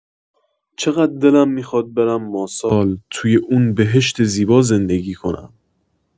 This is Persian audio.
چقدر دلم می‌خواد برم ماسال توی اون بهشت زیبا زندگی کنم!